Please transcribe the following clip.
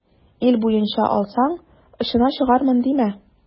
Ил буенча алсаң, очына чыгармын димә.